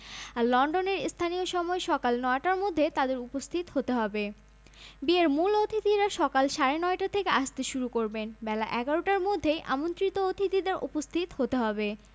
ও বাবা Thomas Markle বিয়েতে গুরুত্বপূর্ণ ভূমিকা পালন করবেন বলে জানা গেছে বিয়ের ভেন্যুতে মেগানকে নিয়ে আসবেন তাঁর মা ভেন্যুতে আসার পর কয়েকজন ব্রাইডস মেড মেগান মার্কেলের সাথে হেঁটে চ্যাপেলে আসবেন